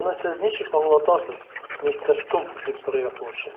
Моны сез ничек аңлатасыз, мистер Стумп? - дип сорый яклаучы.